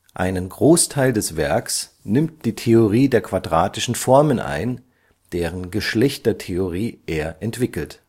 Einen Großteil des Werks nimmt die Theorie der quadratischen Formen ein, deren Geschlechtertheorie er entwickelt